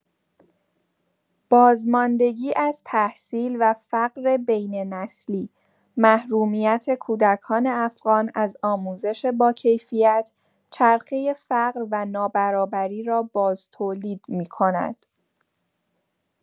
بازماندگی از تحصیل و فقر بین‌نسلی: محرومیت کودکان افغان از آموزش باکیفیت، چرخه فقر و نابرابری را بازتولید می‌کند.